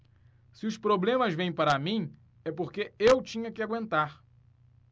se os problemas vêm para mim é porque eu tinha que aguentar